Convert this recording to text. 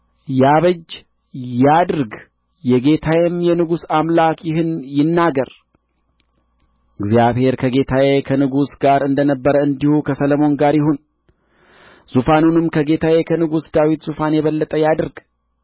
ያበጅ ያድርግ የጌታዬም የንጉሥ አምላክ ይህን ይናገር እግዚአብሔር ከጌታዬ ከንጉሥ ጋር እንደ ነበረ እንዲሁ ከሰሎሞን ጋር ይሁን ዙፋኑንም ከጌታዬ ከንጉሡ ዳዊት ዙፋን የበለጠ ያድርግ